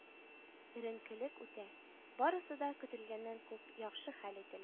Ренкелек үтә, барысы да көтелгәннән күп яхшы хәл ителә